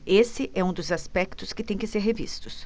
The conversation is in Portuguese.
esse é um dos aspectos que têm que ser revistos